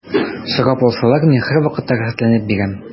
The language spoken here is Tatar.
Сорап алсалар, мин һәрвакытта рәхәтләнеп бирәм.